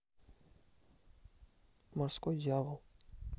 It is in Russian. морской дьявол